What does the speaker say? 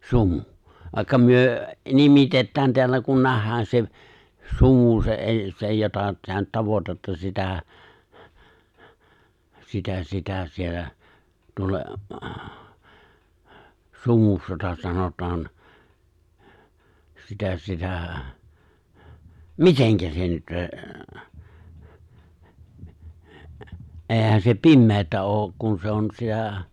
sumu vaikka me nimitetään täällä kun nähdään se sumu se ei se jota sinä nyt tavoitatte sitä sitä sitä siellä tuolla sumuksi jota sanotaan sitä sitä miten se nyt ei eihän se pimeää ole kun se on sitä